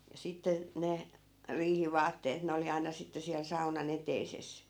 ja sitten ne riihivaatteet ne oli aina sitten siellä saunan eteisessä